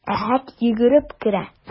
Әхәт йөгереп керә.